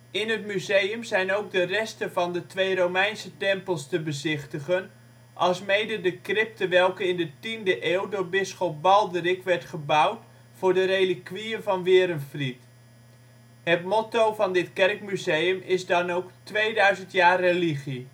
In het museum zijn ook de resten van de twee Romeinse tempels te bezichtigen, alsmede de crypte welke in de tiende eeuw door bisschop Balderik werd gebouwd voor de relikwieën van Werenfried. Het motto van dit kerkmuseum is dan ook ' 2000 jaar religie